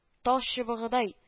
Тал чыбыгыдай